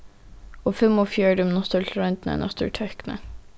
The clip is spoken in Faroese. og fimmogfjøruti minuttir til royndina í náttúru og tøkni